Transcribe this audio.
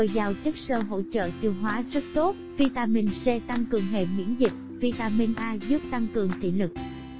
dồi dào chất xơ hỗ trợ tiêu hóa rất tốt vitamin c tăng cường hệ miễn dịch vitamin a giúp tăng cường thị lực